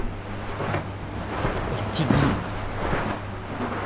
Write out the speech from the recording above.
блядь иди